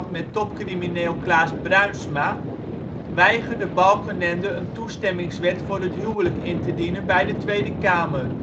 met topcrimineel Klaas Bruinsma, weigerde Balkenende een toestemmingswet voor het huwelijk in te dienen bij de Tweede Kamer